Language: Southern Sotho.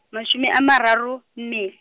mashome a mararo, mme.